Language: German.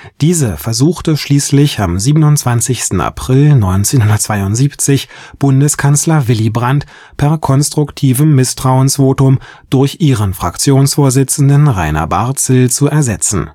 Diese versuchte schließlich am 27. April 1972, Bundeskanzler Willy Brandt per konstruktivem Misstrauensvotum durch ihren Fraktionsvorsitzenden, Rainer Barzel, zu ersetzen